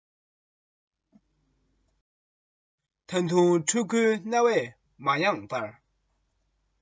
ད དུང ཕྲུ གུའི སྣང བས མ རེངས པར